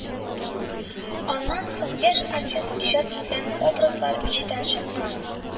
Аннан соң яшь артист иҗат иткән об разлар мичтән чыккан